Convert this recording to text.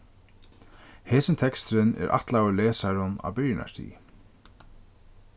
hesin teksturin er ætlaður lesarum á byrjanarstigi